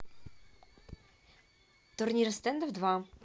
турнир стендов два